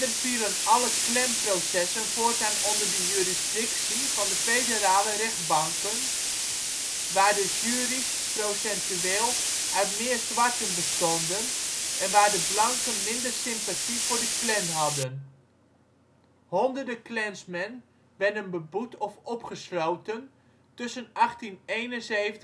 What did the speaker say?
vielen alle Klanprocessen voortaan onder de jurisdictie van de federale rechtbanken, waar de juries procentueel uit meer zwarten bestonden en waar de blanken minder sympathie voor de Klan hadden. Honderden Klansmen werden beboet of opgesloten tussen 1871 en 1874